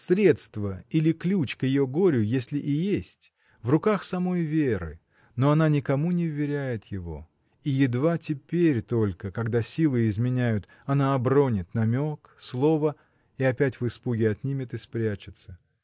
Средство или ключ к ее горю, если и есть, — в руках самой Веры, но она никому не вверяет его, и едва теперь только, когда силы изменяют, она обронит намек, слово и опять в испуге отнимет и спрячется.